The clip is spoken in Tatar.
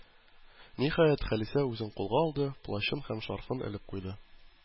Ниһаять, Халисә үзен кулга алды, плащын һәм шарфын элеп куйды.